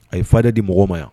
A ye fahida di mɔgɔw ma yan